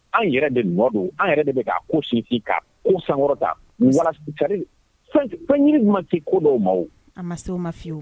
An yɛrɛ de nɔ don an yɛrɛ de bɛ ka ko sinfin kan ko sankɔrɔta walasari fɛn tun tɛ ko dɔw ma an ma se ma fiyewu